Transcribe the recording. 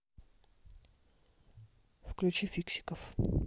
включи фиксиков